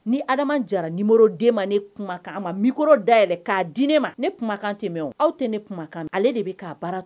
Ni adama jara niden ma ne kumakan a ma mi dayɛlɛn k'a di ne ma ne kumakan tɛmɛmɛ o aw tɛ ne kumakan ale de bɛ ka baara